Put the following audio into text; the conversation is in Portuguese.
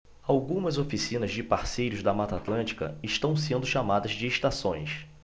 algumas oficinas de parceiros da mata atlântica estão sendo chamadas de estações